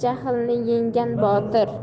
jahlni yenggan botir